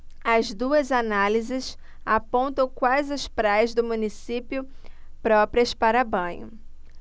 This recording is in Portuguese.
as duas análises apontam quais as praias do município próprias para banho